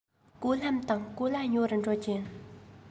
གོ ལྷམ དང གོ ལྭ ཉོ རུ འགྲོ རྒྱུ ཡིན